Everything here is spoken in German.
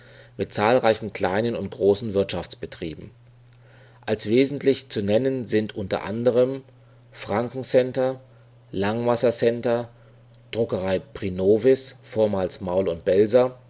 zahlreichen kleinen und großen Wirtschaftsbetrieben. Als wesentlich zu nennen sind u. a.: Franken-Center Langwasser-Center Druckerei Prinovis (vormals Maul & Belser